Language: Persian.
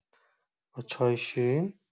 با چای شیرین